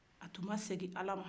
a tun ma segi ala ma